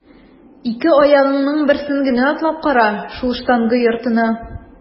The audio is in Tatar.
Ике аягыңның берсен генә атлап кара шул штанга йортына!